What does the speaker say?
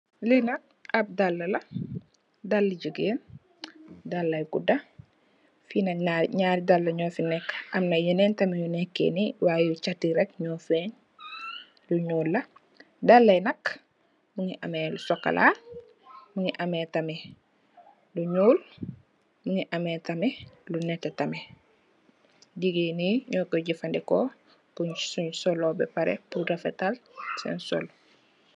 lina ab dala dale jigeen dala yu gudah fi nari dale nufi neka am yeen tarmit yu neek ni way yu u ceeti nu feen yu nuul la dala yi nak mingi am lo sokola mingi am tarmit lo nete tarmit jigeen yi nukoy jaafardiko puur sun solo ba pareh puur refectal sen solo.